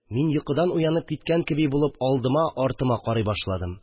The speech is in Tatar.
Мин йокыдан уянып киткән кеби булып алдыма, артыма карый башладым